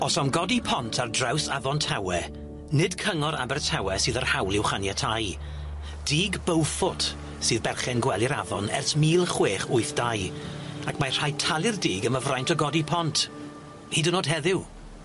Os am godi pont ar draws Afon Tawe, nid cyngor Abertawe sydd â'r hawl i'w chaniatáu dug Beufort sydd berchen gwely'r afon ers mil chwech wyth dau ac mae rhaid talu'r dug ym y fraint o godi pont, hyd yn o'd heddiw.